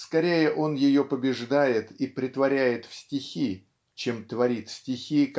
скорее он ее побеждает и претворяет в стихи чем творит стихи